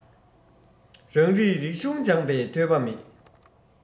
རང རིགས རིག གཞུང སྦྱངས པའི ཐོས པ མེད